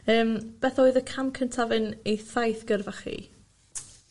Yym beth oedd y cam cyntaf yn eich thaith gyrfa chi?